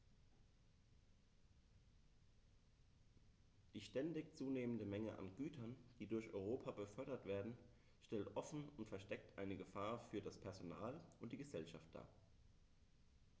Die ständig zunehmende Menge an Gütern, die durch Europa befördert werden, stellt offen oder versteckt eine Gefahr für das Personal und die Gesellschaft dar.